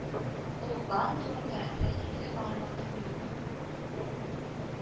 Ул база турында тәфсилле мәгълүматым юк